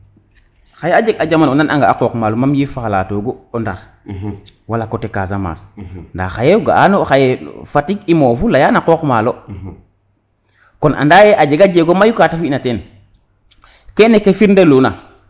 xaye a jeg a jamano o nan anga a qoq maalo mam yifa xalato gu o Ndar wala coté casamance nda xaye o ga ano xaye Fatick i mofu leya na qooq maalo kon anda ye a jega jeego mayu kate fina ten kene lke firndeluna